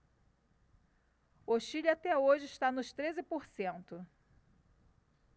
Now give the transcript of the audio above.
o chile até hoje está nos treze por cento